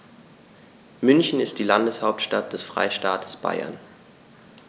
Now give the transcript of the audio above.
München ist die Landeshauptstadt des Freistaates Bayern.